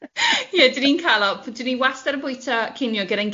Ie 'dan ni'n cael o 'dan ni wastad yn bwyta cinio gyda'n